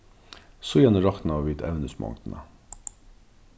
síðani roknaðu vit evnismongdina